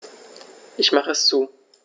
Ich mache es zu.